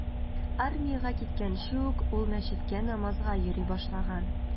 Армиягә киткәнче ук ул мәчеткә намазга йөри башлаган.